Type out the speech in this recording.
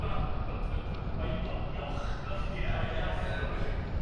ma' ma' Prydwen ma' yio- yiocht o mae yacht o'n bwysig.